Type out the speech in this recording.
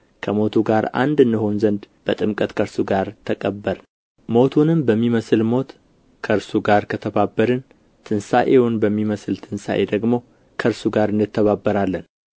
ከሞቱ ጋር አንድ እንሆን ዘንድ በጥምቀት ከእርሱ ጋር ተቀበርን ሞቱንም በሚመስል ሞት ከእርሱ ጋር ከተባበርን ትንሣኤውን በሚመስል ትንሣኤ ደግሞ ከእርሱ ጋር እንተባበራለን